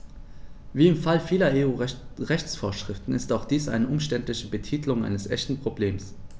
Wie im Fall vieler EU-Rechtsvorschriften ist auch dies eine umständliche Betitelung eines echten Problems.